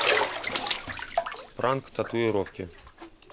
пранк татуировки